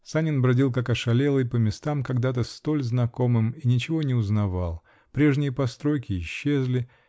Санин бродил как ошалелый по местам, когда-то столь знакомым, и ничего не узнавал: прежние постройки исчезли